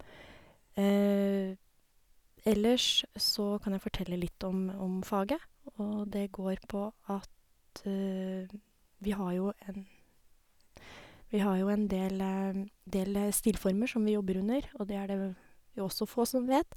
Ellers så kan jeg fortelle litt om om faget, og det går på at vi har jo en vi har jo en del del stilformer som vi jobber under, og det er det v jo også få som vet.